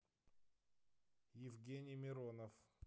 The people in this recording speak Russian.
евгений миронов